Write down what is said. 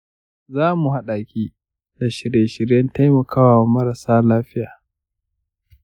zamu hadaki da shirye shiryen taimakawa marasa lafiya